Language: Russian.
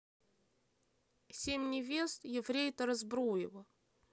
семь невест ефрейтора збруева